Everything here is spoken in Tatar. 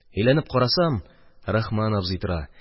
Әйләнеп карасам – Рахман абзый тора.